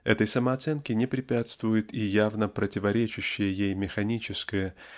Этой самооценке не препятствует и явно противоречащее ей механическое